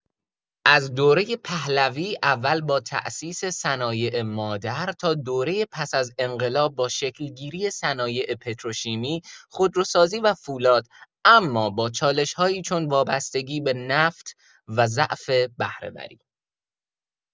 از دورۀ پهلوی اول با تأسیس صنایع مادر تا دورۀ پس از انقلاب با شکل‌گیری صنایع پتروشیمی، خودروسازی و فولاد، اما با چالش‌هایی چون وابستگی به نفت و ضعف بهره‌وری.